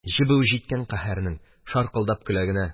Җебүе җиткән каһәрнең, шаркылдап көлә генә: